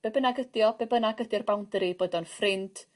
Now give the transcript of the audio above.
be' bynnag ydi o be' bynnag ydi'r boundary boed o'n ffrind